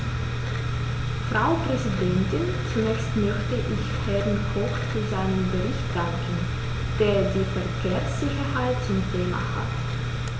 Frau Präsidentin, zunächst möchte ich Herrn Koch für seinen Bericht danken, der die Verkehrssicherheit zum Thema hat.